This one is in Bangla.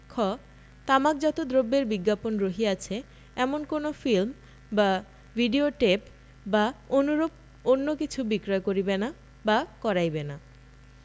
খ তামাকজাত দ্রব্যের বিজ্ঞাপন রহিয়াছে এমন কোন ফিল্ম বা ভিডিও টেপ বা অনুরূপ অন্য কিছু বিক্রয় করিবে না বা করাইবে না